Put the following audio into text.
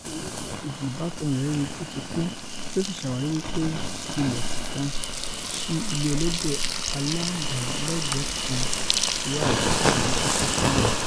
Ní òwurọ̀ ọjọ́ kejì, ìbátan rẹ̀ ríi tóti kú, tí ó sì ṣàwári wí pé ìlẹ̀kùn kan sí ilé ẹlẹ́dẹ̀ aláàmúlégbe kan wà ní sísí sílẹ̀.